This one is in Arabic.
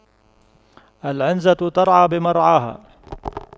العنزة ترعى بمرعاها